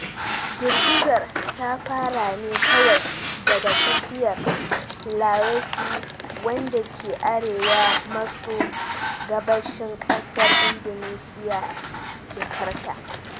Girgizar ta fara ne kawai daga tsakiyar Sulawesi wanda ke arewa maso gabashin kasar Indonesia, Jakarta.